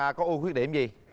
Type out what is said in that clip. có ưu khuyết điểm gì